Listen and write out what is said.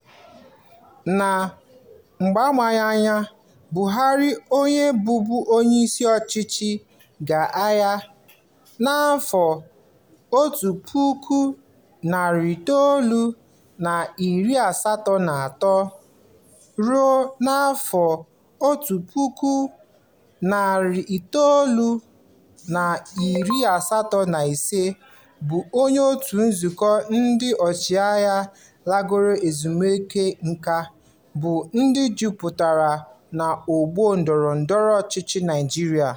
Na mgbakwụnye, Buhari onye bụbu onyeisi ọchịchị keagha (1983-1985) bụ onye òtù nzukọ ndị ọchịagha lagoro ezumike nka bụ ndị jupụtara n'ọgbọ ndọrọ ndọrọ ọchịchị Naịjirịa.